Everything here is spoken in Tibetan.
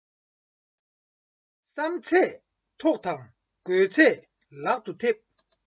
བསམ ཚད ཐོག དང དགོས ཚད ལག ཏུ ཐེབས